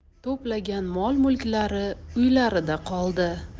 to'plagan mol mulklari uylarida qoldi